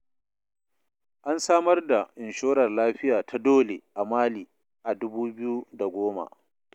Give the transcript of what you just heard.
An samar da inshorar lafiya ta dole a Mali a 2010.